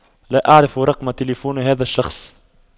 لا اعرف رقم تلفون هذا الشخص